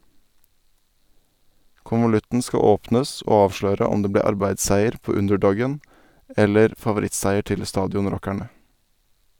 Konvolutten skal åpnes, og avsløre om det ble arbeidsseier på underdogen, eller favorittseier til stadionrockerne.